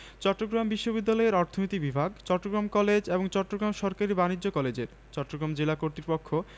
চট্টগ্রাম বিশ্ববিদ্যালয়ের অর্থনীতি বিভাগ চট্টগ্রাম কলেজ এবং চট্টগ্রাম সরকারি বাণিজ্য কলেজের চট্টগ্রাম জেলা কর্তৃপক্ষ